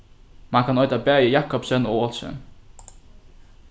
man kann eita bæði jacobsen og olsen